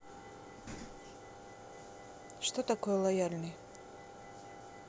что такое лояльный